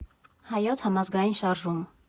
Հայոց համազգային շարժում։